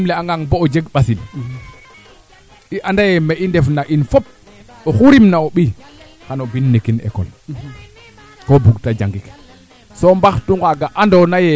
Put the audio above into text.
axa kay maaga kaa refa ta kee ando naye daanaka a yiif in kaa ɗuunda ta in xoxaam rek a jega wee ando naye ko leya ye xoxaam jegaam ndiing ne sutwa